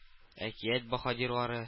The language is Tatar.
Әкият баһадирлары